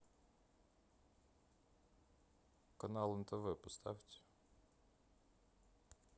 канал нтв поставьте